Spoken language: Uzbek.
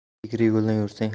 egri yo'ldan yursang